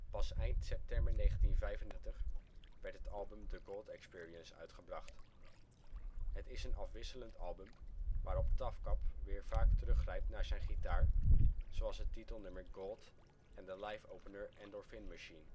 Pas eind september 1995 werd het album The Gold Experience uitgebracht. Het is een afwisselend album, waarop TAFKAP weer vaak teruggrijpt naar zijn gitaar, zoals het titelnummer Gold en de live-opener Endorphinmachine